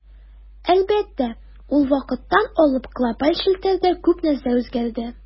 Әлбәттә, ул вакыттан алып глобаль челтәрдә күп нәрсә үзгәрде.